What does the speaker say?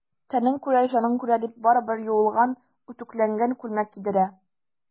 Тәнең күрә, җаның күрә,— дип, барыбер юылган, үтүкләнгән күлмәк кидерә.